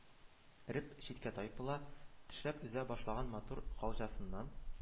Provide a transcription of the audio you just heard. Реп, читкә тайпыла, тешләп өзә башлаган матур калҗасыннан